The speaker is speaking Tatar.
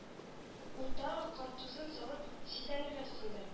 Ул тагы картузын салып җилләнергә тотынды